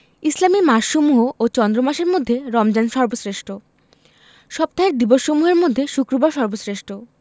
ইসলামি মাসসমূহ ও চন্দ্রমাসের মধ্যে রমজান সর্বশ্রেষ্ঠ সপ্তাহের দিবসসমূহের মধ্যে শুক্রবার সর্বশ্রেষ্ঠ